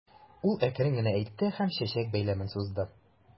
Ул әкрен генә әйтте һәм чәчәк бәйләмен сузды.